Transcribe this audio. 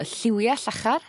y lliwie llachar